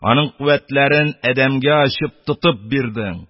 Аның куәтләрен адәмгә ачып тотып бирдең;